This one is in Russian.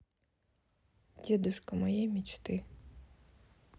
дедушка моей мечты